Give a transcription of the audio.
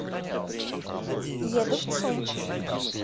еду в цум